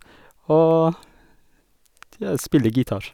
Og, tja, spille gitar.